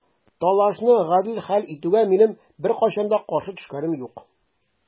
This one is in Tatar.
Талашны гадел хәл итүгә минем беркайчан да каршы төшкәнем юк.